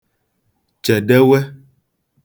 chèdewe